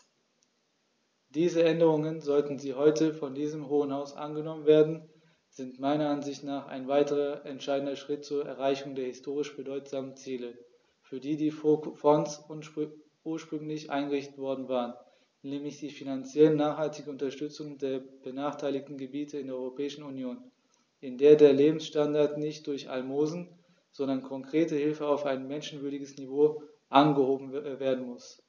Diese Änderungen, sollten sie heute von diesem Hohen Haus angenommen werden, sind meiner Ansicht nach ein weiterer entscheidender Schritt zur Erreichung der historisch bedeutsamen Ziele, für die die Fonds ursprünglich eingerichtet worden waren, nämlich die finanziell nachhaltige Unterstützung der benachteiligten Gebiete in der Europäischen Union, in der der Lebensstandard nicht durch Almosen, sondern konkrete Hilfe auf ein menschenwürdiges Niveau angehoben werden muss.